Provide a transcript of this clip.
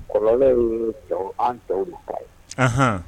Kɔrɔ y an denw ta ye